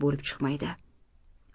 bo'lib chiqmaydi